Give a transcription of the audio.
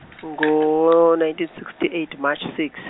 ngo- nineteen sixty eight March sixth.